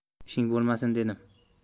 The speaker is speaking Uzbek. ishing bo'lmasin dedim